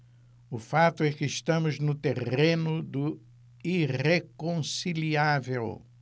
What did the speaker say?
o fato é que estamos no terreno do irreconciliável